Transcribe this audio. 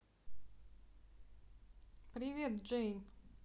привет джейн